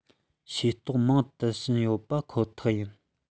ཤེས རྟོགས མང དུ ཕྱིན ཡོད པ རེད པ ཁོ ཐག ཡིན